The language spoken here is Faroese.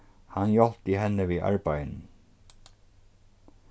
hann hjálpti henni við arbeiðinum